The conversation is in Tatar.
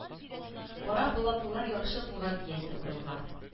Кара болаклылар яхшы булган диясе урынга